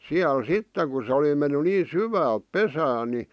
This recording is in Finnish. siellä sitten kun se oli jo mennyt niin syvälle pesään niin